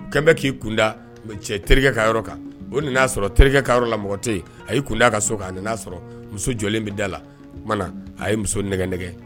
Kɛmɛ k'i kunda cɛ terikɛ ka yɔrɔ kan o nin y'a sɔrɔ terikɛ ka yɔrɔ la tɛ a y' kun da' ka so a'a sɔrɔ muso jɔlen bɛ da la o a ye muso nɛgɛ nɛgɛ